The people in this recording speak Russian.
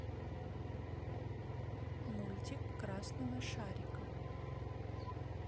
мультик красного шарика